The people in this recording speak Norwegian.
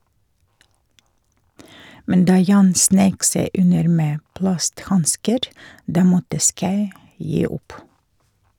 Men da Jan sneik seg under med plasthansker, da måtte Schau gi opp.